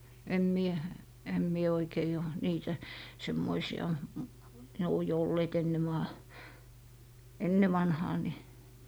en minä en minä oikein ole niitä semmoisia ne on jo olleet ennen - ennen vanhaan niin